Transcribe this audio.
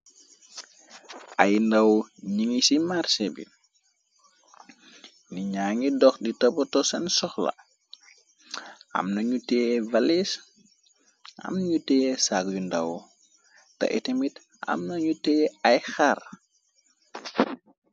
Ay ndaw ñingi ci marsé bi ni ñaa ngi dox di tabato seen soxla amnañu tée valees am ñu tée sag yu ndaw te itémit amnañu tee ay xaar.